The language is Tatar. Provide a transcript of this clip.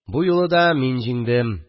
Бу юлы да мин җиңдем